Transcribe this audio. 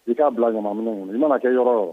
I k'a bilaɲɔgɔn minnu kɔnɔ i mana kɛ yɔrɔ yɔrɔ